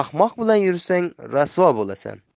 ahmoq bilan yursang rasvo bo'lasan